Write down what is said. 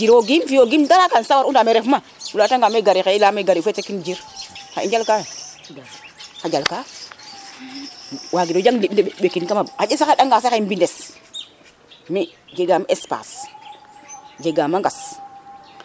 jirogim fiyo gim dara kam sawar u nda me ref ma o leya tangame gari xay gari rek um jir xa i njal ka ye xa jal ka wagiro jang liɓ mbekin kam xaƴa sax a r anga sax mbines mi jegam espace jegama ngas